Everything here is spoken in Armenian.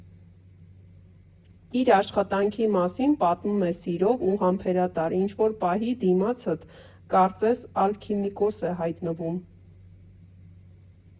Իր աշխատանքի մասին պատմում է սիրով ու համբերատար, ինչ֊որ պահի դիմացդ, կարծես, ալքիմիկոս է հայտնվում։